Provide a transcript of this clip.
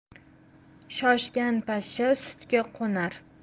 shoshgan pashsha sutga qo'nar